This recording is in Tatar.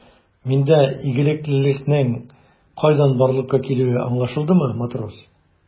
Миндә игелеклелекнең кайдан барлыкка килүе аңлашылдымы, матрос?